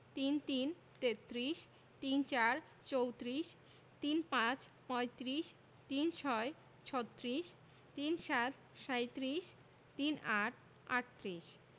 ৩৩ - তেত্রিশ ৩৪ - চৌত্রিশ ৩৫ - পঁয়ত্রিশ ৩৬ - ছত্রিশ ৩৭ - সাঁইত্রিশ ৩৮ - আটত্রিশ